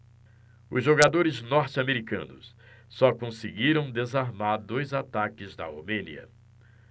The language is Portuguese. os jogadores norte-americanos só conseguiram desarmar dois ataques da romênia